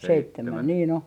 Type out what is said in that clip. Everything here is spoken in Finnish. seitsemän niin on